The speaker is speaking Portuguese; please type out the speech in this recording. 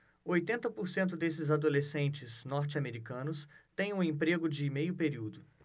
oitenta por cento desses adolescentes norte-americanos têm um emprego de meio período